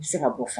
N se ka' fana